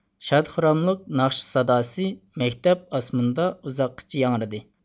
شاد خۇراملىق ناخشا ساداسى مەكتەپ ئاسمىنىدا ئۇزاققىچە ياڭرىدى